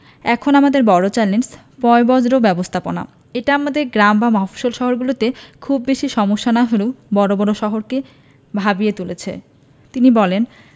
এখন আমাদের বড় চ্যালেঞ্জ পয়ঃবর্জ্য ব্যবস্থাপনা এটা দেশের গ্রাম বা মফস্বল শহরগুলোতে খুব বেশি সমস্যা না হলেও বড় বড় শহরকে ভাবিয়ে তুলেছে তিনি বলেন